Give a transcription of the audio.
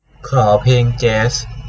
ขอเพลงแจ๊ส